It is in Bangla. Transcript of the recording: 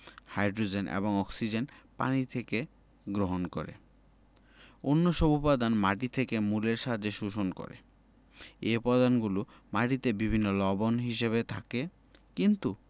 হাই্ড্রোজেন এবং অক্সিজেন পানি থেকে গ্রহণ করে অন্যসব উপাদান মাটি থেকে মূলের সাহায্যে শোষণ করে এ উপাদানগুলো মাটিতে বিভিন্ন লবণ হিসেবে থাকে কিন্তু